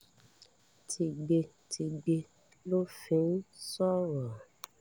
”Tígbetigbe ló fi sọ̀rọ̀”?